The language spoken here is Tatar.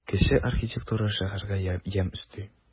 Кече архитектура шәһәргә ямь өсти.